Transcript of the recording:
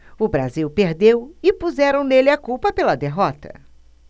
o brasil perdeu e puseram nele a culpa pela derrota